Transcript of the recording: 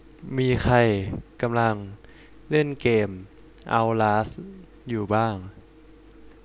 มีใครกำลังเล่นเกมเอ้าลาสอยู่บ้าง